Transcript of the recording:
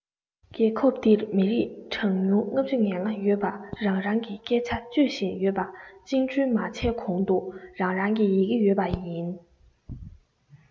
རྒྱལ ཁབ འདིར མི རིགས གྲངས ཉུང ༥༥ ཡོད པ རང རང གི སྐད ཆ སྤྱོད བཞིན ཡོད པ བཅིངས འགྲོལ མ བྱས གོང དུ རང རང གི ཡི གེ ཡོད པ ཡིན